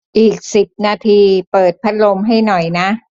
อีกสิบนาทีเปิดพัดลมให้หน่อยนะ